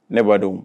Ne badenw